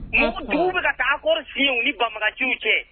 Mugu duguw bɛ ka taa accord signer u ni banbaganciw cɛ